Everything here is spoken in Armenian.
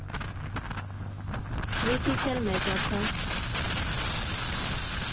Մի քիչ էլ մեծացա։